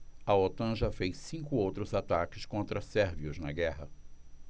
a otan já fez cinco outros ataques contra sérvios na guerra